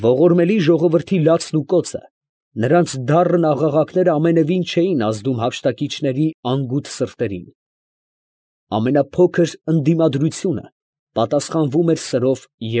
Ողորմելի ժողովրդի լացն ու կոծը, նրանց դառն աղաղակները ամենևին չէին ազդում հափշտակիչների անգութ սրտերին… ամենափոքր ընդդիմադրությունը պատասխանվում էր սրով և։